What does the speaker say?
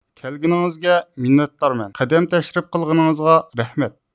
كەلگىنىڭىزگە مىننەتدارمەن قەدەم تەشرىپ قىلغىنىڭىزغا رەھمەت